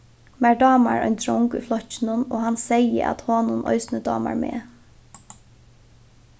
mær dámar ein drong í flokkinum og hann segði at honum eisini dámar meg